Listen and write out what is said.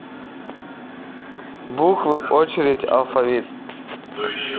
буквы очередь алфавит